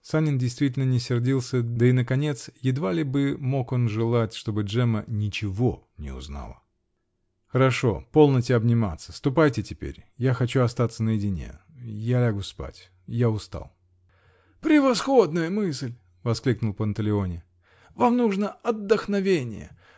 (Санин действительно не сердился -- да и, наконец, едва ли бы мог он желать, чтобы Джемма ничего не узнала. ) Хорошо. полноте обниматься. Ступайте теперь. Я хочу остаться наедине . Я лягу спать. Я устал. -- Превосходная мысль! -- воскликнул Панталеоне. -- Вам нужно отдохновение !